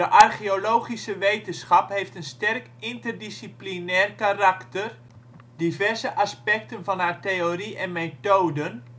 archeologische wetenschap heeft een sterk interdisciplinair karakter: diverse aspecten van haar theorie en methoden